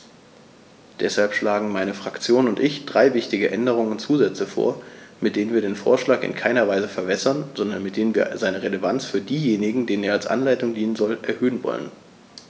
Deshalb schlagen meine Fraktion und ich drei wichtige Änderungen und Zusätze vor, mit denen wir den Vorschlag in keiner Weise verwässern, sondern mit denen wir seine Relevanz für diejenigen, denen er als Anleitung dienen soll, erhöhen wollen.